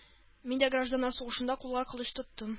Мин дә гражданнар сугышында кулга кылыч тоттым